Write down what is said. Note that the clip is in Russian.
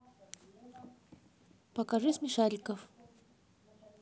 покажи смешариков